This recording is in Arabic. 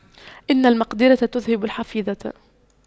إن المقْدِرة تُذْهِبَ الحفيظة